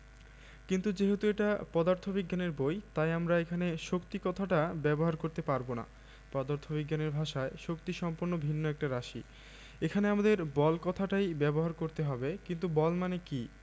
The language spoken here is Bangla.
কিন্তু যেহেতু এটা পদার্থবিজ্ঞানের বই তাই আমরা এখানে শক্তি কথাটা ব্যবহার করতে পারব না পদার্থবিজ্ঞানের ভাষায় শক্তি সম্পূর্ণ ভিন্ন একটা রাশি এখানে আমাদের বল কথাটাই ব্যবহার করতে হবে কিন্তু বল মানে কী